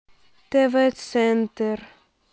тв центр